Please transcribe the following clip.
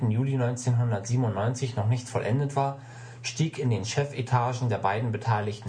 Juli 1997 noch nicht vollendet war, stieg in den Chefetagen der beiden beteiligten